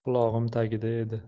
qulog'im tagida edi